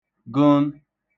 nịnị